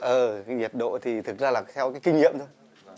ờ cái nhiệt độ thì thực ra là theo cái kinh nghiệm thôi